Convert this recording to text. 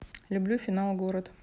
люблю финал город